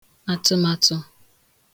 àtụ̀màtụ̀